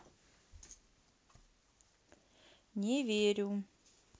не верю